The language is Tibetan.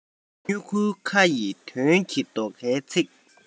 སྨྱུ གུའི ཁ ཡི དོན གྱི རྡོ ཁའི ཚིག